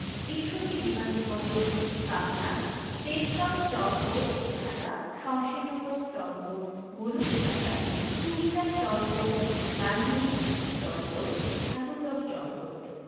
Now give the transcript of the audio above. ঈশ্বরদী বিমান বন্দর Pabna Tejgaon STOL port Dhaka Shamshernagar STOL port Moulvibazar Comilla STOL port Lalmonirhat STOL port Thakurgaon STOL port